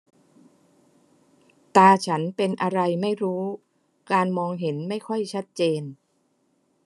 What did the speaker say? ตาฉันเป็นอะไรไม่รู้การมองเห็นไม่ค่อยชัดเจน